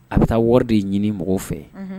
A bɛ taa wari de ɲini mɔgɔw fɛ